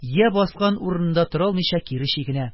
Я баскан урынында тора алмыйча, кире чигенә.